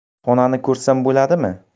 xonani ko'rsam bo'ladimi